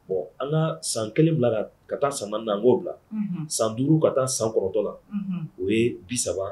Bon an ka san kelen bila ka taa san 4 na , an k’o bila, san 5 ka taa 9 na, o ye bisa ba